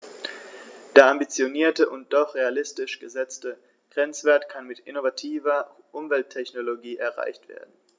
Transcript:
Der ambitionierte und doch realistisch gesetzte Grenzwert kann mit innovativer Umwelttechnologie erreicht werden.